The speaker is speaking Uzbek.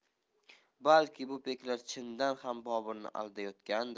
balki bu beklar chindan ham boburni aldayotgandir